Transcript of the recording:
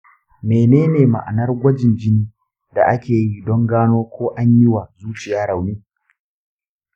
menene ma'anar gwajin jini da ake yi don gano ko an yi wa zuciya rauni